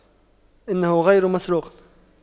انه غير مسروق